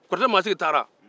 kɔrɔtɛ masigi taara